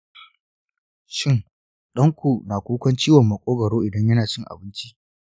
shin ɗan ku na kukan ciwon maƙogoro idan yana cin abinci?